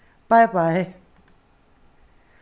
bei bei